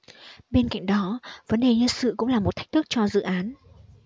bên cạnh đó vấn đề nhân sự cũng là một thách thức cho dự án